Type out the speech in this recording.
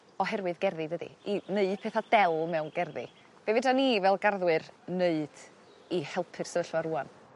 oherwydd gerddi dydi? I neu' petha del mewn gerddi. Be'fedran ni fel garddwyr neud i helpu'r sefyllfa rŵan?